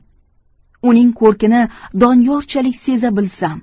uning ko'rkini doniyorchalik seza bilsam